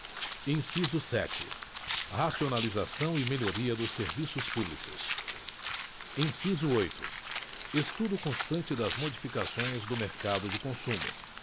inciso sete racionalização e melhoria dos serviços públicos inciso oito estudo constante das modificações do mercado de consumo